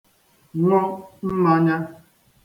ṅụ mmānyā